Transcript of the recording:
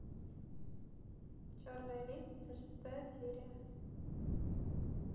черная лестница шестая серия